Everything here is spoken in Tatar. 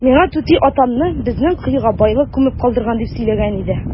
Миңа түти атамны безнең коега байлык күмеп калдырган дип сөйләгән иде.